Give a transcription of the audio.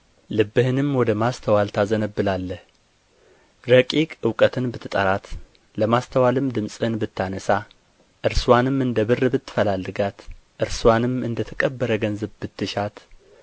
ልብህንም ወደ ማስተዋል ታዘነብላለህ ረቂቅ እውቀትን ብትጠራት ለማስተዋልም ድምፅህን ብታነሣ እርስዋንም እንደ ብር ብትፈላልጋት እርስዋንም እንደ ተቀበረ ገንዘብ ብትሻት